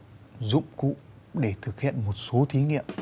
dụng cụ để thực hiện một số thí nghiệm